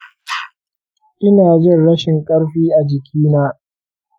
inajin rashin karfi a jikina